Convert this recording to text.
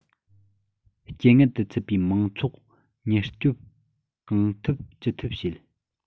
རྐྱེན ངན དུ ཚུད པའི མང ཚོགས མྱུར སྐྱོབ གང ཐུབ ཅི ཐུབ བྱེད